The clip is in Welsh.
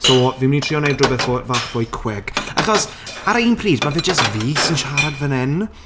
So fi'n mynd i trio wneud rywbeth fw- fach fwy quick. Achos, ar y un pryd, ma' fe jyst fi sy'n siarad fan hyn...